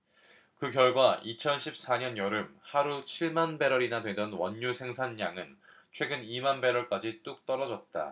그 결과 이천 십 사 년 여름 하루 칠 만 배럴이나 되던 원유 생산량은 최근 이 만 배럴까지 뚝 떨어졌다